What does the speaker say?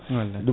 wallay